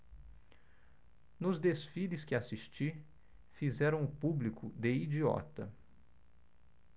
nos desfiles que assisti fizeram o público de idiota